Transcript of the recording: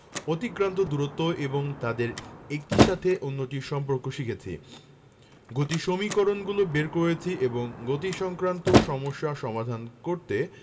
অতিক্রান্ত দূরত্ব এবং তাদের একটির সাথে অন্যটির সম্পর্ক শিখেছি গতির সমীকরণগুলো বের করেছি এবং গতিসংক্রান্ত সমস্যা সমাধান করতে